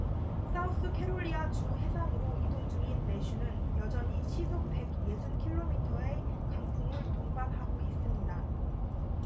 사우스캐롤리아 주 해상으로 이동 중인 매슈는 여전히 시속 백 예순 킬로미터의 강풍을 동반하고 있습니다